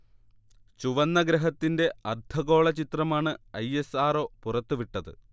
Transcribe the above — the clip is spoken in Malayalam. ചുവന്ന ഗ്രഹത്തിന്റെ അർദ്ധഗോള ചിത്രമാണ് ഐ. എസ്. ആർ. ഒ. പുറത്തുവിട്ടത്